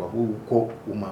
U'u kɔ u ma